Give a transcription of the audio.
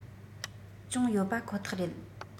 ཅུང ཡོད པ ཁོ ཐག རེད